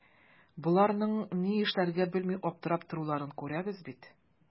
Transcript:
Боларның ни эшләргә белми аптырап торуларын күрәбез бит.